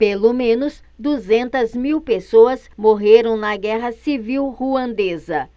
pelo menos duzentas mil pessoas morreram na guerra civil ruandesa